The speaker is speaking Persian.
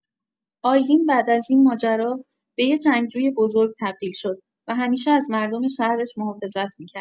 آیلین بعد از این ماجرا، به یه جنگجوی بزرگ تبدیل شد و همیشه از مردم شهرش محافظت می‌کرد.